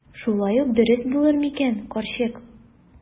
Шулай ук дөрес булыр микән, карчык?